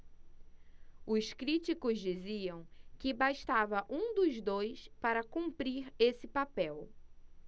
os críticos diziam que bastava um dos dois para cumprir esse papel